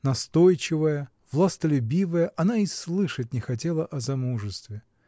Настойчивая, властолюбивая, она и слышать не хотела о замужестве.